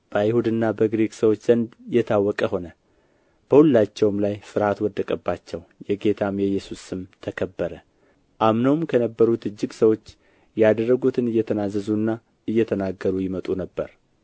በአይሁድና በግሪክ ሰዎች ዘንድ የታወቀ ሆነ በሁላቸውም ላይ ፍርሃት ወደቀባቸው የጌታም የኢየሱስ ስም ተከበረ አምነውም ከነበሩት እጅግ ሰዎች ያደረጉትን እየተናዘዙና እየተናገሩ ይመጡ ነበር